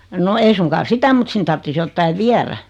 no ei suinkaan sitä mutta sinne tarvitsisi jotakin viedä